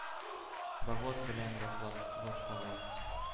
Багор белән ваклап, ваткалап,